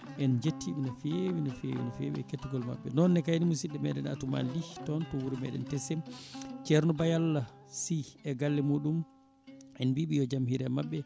en jettiɓe no fewi no fewi no fewi e kettogol mabɓe nonne kayne musidɗo meɗen Atoumane Ly toonto wuuro meɗen Tessem ceerno Bayal Sy e galle muɗum en mbiɓe yo jaam hiire mabɓe